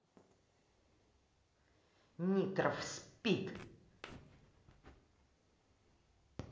нитфор спид